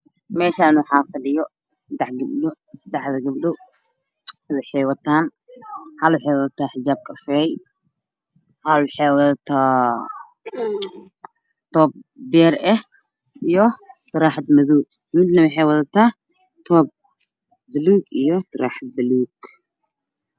Meeshaan waxaa fadhiyo seddex gabdho waxaa wataan midi waxay wadataa xijaab kafay ah midna toob beer ah iyo taraaxad madow ah. Midna toob buluug ah iyo taraaxad buluug ah.